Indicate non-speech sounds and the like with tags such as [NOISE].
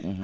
[HESITATION] [HESITATION]